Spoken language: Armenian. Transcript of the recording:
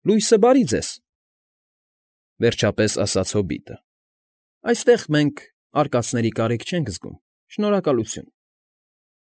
Լույսը բարի ձեզ, ֊ վերջապես ասաց հոբիտը, ֊ այստեղ մենք արկածների կարիք չենք զգում, շնորհակալություն։